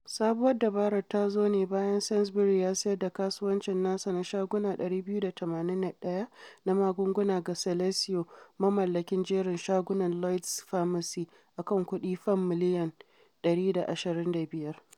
Sabuwar dabarar ta zo ne a bayan Sainsbury's ya sayar da kasuwancin nasa na shaguna 281 na magunguna ga Celesio, mamallakin jerin shagunan Lloyds Pharmacy, a kuɗi Fam miliyan 125.